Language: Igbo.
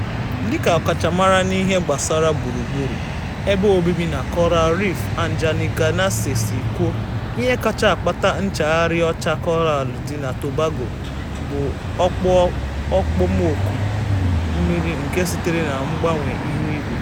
Dịka ọkachamara n'ihe gbasara gburugburu ebe obibi na Koraalụ Reef, Anjani Ganase si kwuo, ihe kacha akpata nchagharị ọcha Koraalụ dị na Tobago bụ okpomọọkụ mmiri— nke sitere na mgbanwe ihuigwe.